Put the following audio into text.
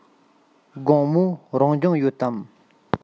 དགོང མོ རང སྦྱོང ཡོད དམ